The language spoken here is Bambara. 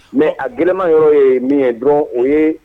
Mɛ a gma yɔrɔ ye min dɔrɔn o ye